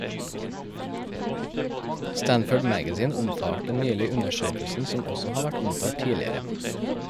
Stanford magazine omtalte nylig undersøkelsen, som også har vært omtalt tidligere.